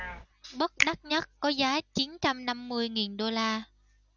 bức đắt nhất có giá chín trăm năm mươi nghìn đô la